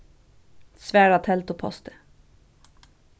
svara telduposti